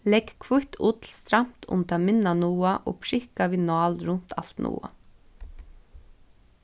legg hvítt ull stramt um tað minna noðað og prikka við nál runt alt noðað